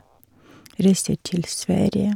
Reiser til Sverige.